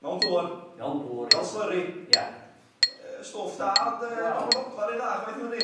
Mewn dŵr. Mewn dŵr. Fel slurry. Ia. Yy stwff da ond yy... Wel. ...'diom yn ogla ry dda chwaith nadi?